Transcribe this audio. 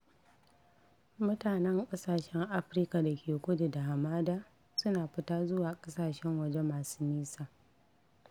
Mutanen ƙasashen Afirka da ke kudu da hamada su na fita zuwa ƙasashen waje masu nisa.